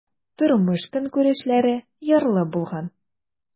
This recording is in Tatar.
Тормыш-көнкүрешләре ярлы булган.